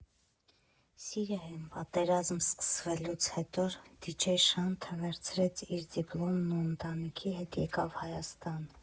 Սիրիայում պատերազմ սկսվելուց հետո դիջեյ Շանթը վերցրեց իր դիպլոմն ու ընտանիքի հետ եկավ Հայաստան։